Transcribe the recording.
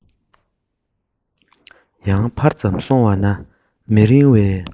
ཡང ཕར ཙམ སོང བ ན མི རིང བའི